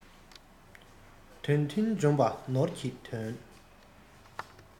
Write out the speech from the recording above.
དོན མཐུན འཇོམས པ ནོར གྱི དོན